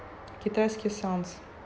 китайский санс